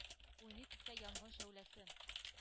Уйный күктә янгын шәүләсе.